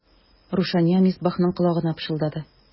Рушания Мисбахның колагына пышылдады.